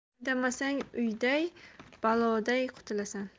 indamasang uyday balodan qutulasan